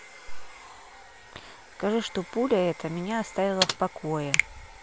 скажи что пуля это меня оставила в покое